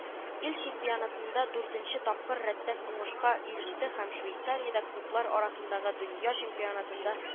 Ил чемпионатында дүртенче тапкыр рәттән уңышка иреште һәм швейцариядә клублар арасындагы дөнья чемпионатында